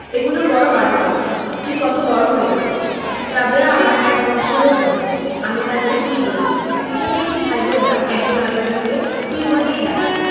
এগুলো বড় বাজে কথা তুই কত বড় হয়েছিস রাবেয়া আমার এক বৎসরের বড় আমি তাকে তুই বলি পিঠাপিঠি ভাই বোনের একজন আরেক জনকে তুই বলেই ডাকে